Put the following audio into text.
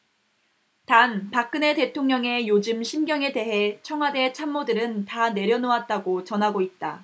단박근혜 대통령의 요즘 심경에 대해 청와대 참모들은 다 내려놓았다고 전하고 있다